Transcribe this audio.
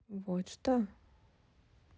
вот что